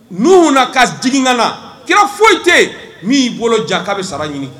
Nuhun na ka jigin ka na, kira fosi tɛ yen min y'i bolo jan k'a bɛ sara ɲini.